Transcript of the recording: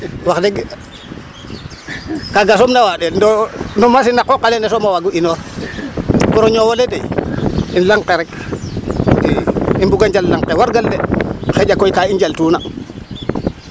Wax deg kaaga som na waaɗel to no machine a qooq ale soom a waagu inoox pour o ñoow ole doy lang ke rek i imbuga njal lang ke wargal xaƴa kay ka i ndialtuna